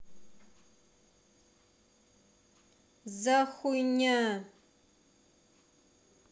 за хуйня